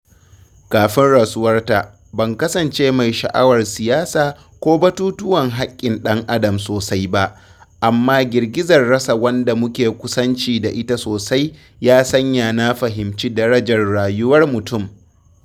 Kafin rasuwarta, ban kasance mai sha’awar siyasa ko batutuwan haƙƙin ɗan Adam sosai ba, amma girgizar rasa wanda muke kusanci da ita sosai ya sanya na fahimci darajar rayuwar mutum.